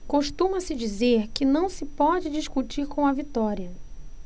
costuma-se dizer que não se pode discutir com a vitória